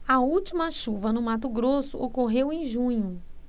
a última chuva no mato grosso ocorreu em junho